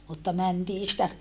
mutta mentiin sitä